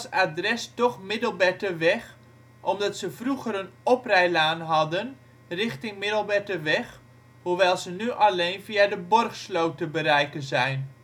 adres toch Middelberterweg, omdat ze vroeger een oprijlaan hadden richting Middelberterweg, hoewel ze nu alleen via de Borgsloot te bereiken zijn